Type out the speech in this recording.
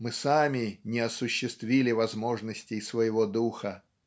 мы сами не осуществили возможностей своего духа.